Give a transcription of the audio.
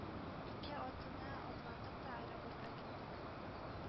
Ике атына атландык та аэропортка киттек.